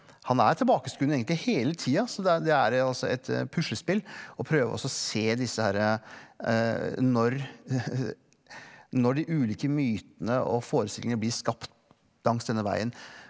han er tilbakeskuende egentlig hele tida så det er det er altså et puslespill å prøve og så se disse herre når når de ulike mytene og forestilingene blir skapt langs denne veien.